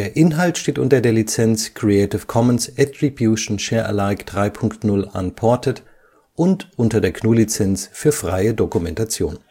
Inhalt steht unter der Lizenz Creative Commons Attribution Share Alike 3 Punkt 0 Unported und unter der GNU Lizenz für freie Dokumentation